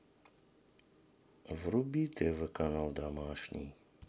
вруби тв канал домашний